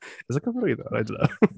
Is it cyfarwyddwr? I dunno.